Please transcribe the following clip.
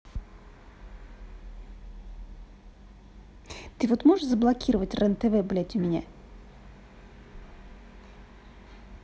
ты вот можешь заблокировать рен тв блядь у меня